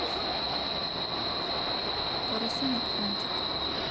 поросенок фунтик